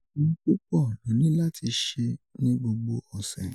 Ohun púpọ̀ lo ni láti ṣe ni gbogbo ọ̀sẹ̀.